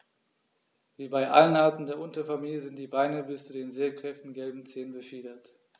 Wie bei allen Arten der Unterfamilie sind die Beine bis zu den sehr kräftigen gelben Zehen befiedert.